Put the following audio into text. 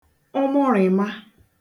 ụmụrị̀ma